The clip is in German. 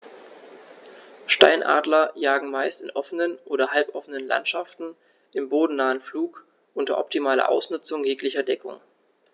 Steinadler jagen meist in offenen oder halboffenen Landschaften im bodennahen Flug unter optimaler Ausnutzung jeglicher Deckung.